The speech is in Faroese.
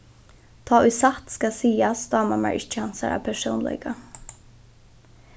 tá ið satt skal sigast dámar mær ikki hansara persónleika